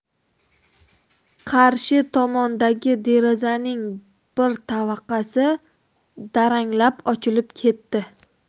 qarshi tomondagi derazaning bir tavaqasi daranglab ochilib ketdi